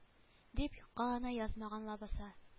Дип юкка гына язмаган лабаса